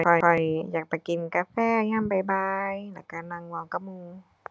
ข้อยอยากไปกินกาแฟยามบ่ายบ่าย แล้วก็นั่งเว้ากับหมู่